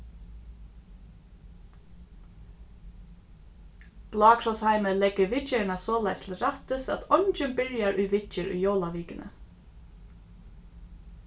blákrossheimið leggur viðgerðina soleiðis til rættis at eingin byrjar í viðgerð í jólavikuni